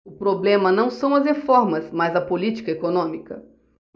o problema não são as reformas mas a política econômica